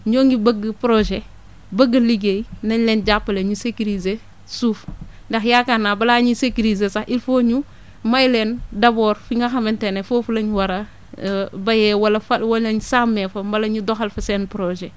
ñoo ngi bëgg projet bëgg liggéey nañ leen jàppale ñu sécuriser suuf ndax yaakaar naa balaa ñuy sécuriser sax il faut ñu may leen d' abord fi nga xamante ne foofu lañ war a béyee wala fa wala ñu sàmmee fa mbala ñu doxal fa seen projet